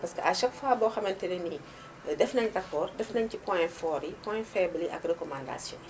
parce que à chaque fois boo xamante ne ni def nañu rapport def nañu ci points forts yi point faibles yi ak recommandations yi